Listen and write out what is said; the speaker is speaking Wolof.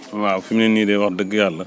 waaw fi mu ne nii de wax dëgg yàlla